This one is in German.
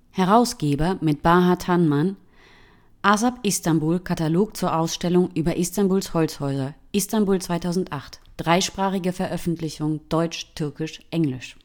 Herausgeber, mit Baha Tanman: Ahşap Istanbul. Katalog zur Ausstellung über Istanbuls Holzhäuser. Istanbul 2008 (dreisprachige Veröffentlichung deutsch/türkisch/englisch